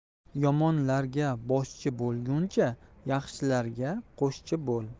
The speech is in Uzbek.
yomonlarga boshchi bo'lguncha yaxshilarga qo'shchi bo'l